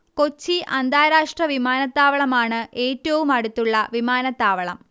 കൊച്ചി അന്താരാഷ്ട്ര വിമാനത്താവളമാണ് ഏറ്റവും അടുത്തുള്ള വിമാനത്താവളം